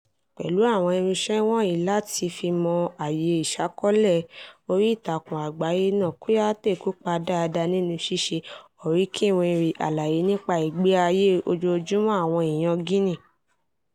Pẹ̀lú àwọn irinṣẹ́ wọ̀nyìí láti fi mọ àyè ìṣàkọọ́lẹ̀ oríìtakùn àgbáyé náà, Kouyaté kópa dáadáa nínú ṣíṣe ọ̀rínkinnínwìn àlàyé nípa ìgbé ayé ojoojúmọ́ àwọn èèyàn Guinea.